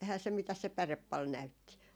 eihän se mitäs se päre paljon näytti